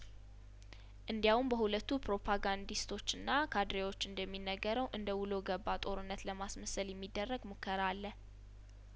እንዲያውም በሁለቱ ፕሮፓጋንዲስቶችና ካድሬዎች እንደሚነገረው እንደውሎ ገባ ጦርነት ለማስመሰል የሚደረግ ሙከራ አለ